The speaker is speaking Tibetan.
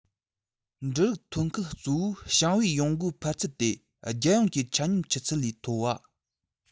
འབྲུ རིགས ཐོན ཁུལ གཙོ བོའི ཞིང པའི ཡོང སྒོའི འཕར ཚད དེ རྒྱལ ཡོངས ཀྱི ཆ སྙོམས ཆུ ཚད ལས མཐོ བ